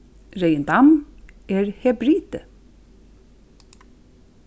regin dam er hebridi